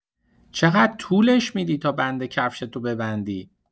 چقدر طولش می‌دی تابند کفشتو ببندی.